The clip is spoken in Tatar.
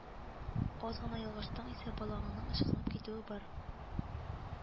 Аз гына ялгыштың исә, балыгыңның ычкынып китүе бар